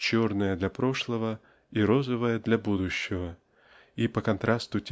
черная для прошлого и розовая для будущего (и по контрасту